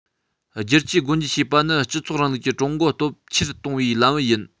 བསྒྱུར བཅོས སྒོ འབྱེད བྱེད པ ནི སྤྱི ཚོགས རིང ལུགས ཀྱི ཀྲུང གོ སྟོབས ཆེར གཏོང བའི ལམ བུ ཡིན